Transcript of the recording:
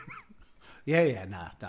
Ie, ie, na, da-.